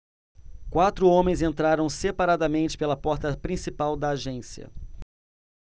quatro homens entraram separadamente pela porta principal da agência